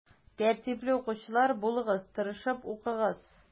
Тәртипле укучылар булыгыз, тырышып укыгыз.